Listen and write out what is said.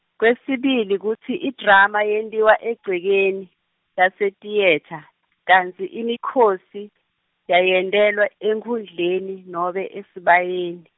kwesibili kutsi idrama yentiwa egcekeni, lasetiyetha , kantsi imikhosi , yayentelwa enkhundleni nobe esibayeni.